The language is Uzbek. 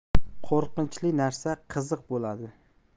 qo'rqinchli narsa qiziq bo'ladi